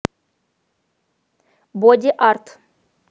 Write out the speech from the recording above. боди арт